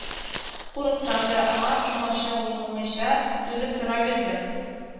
Курыксам да, аңа комачауламыйча түзеп тора бирдем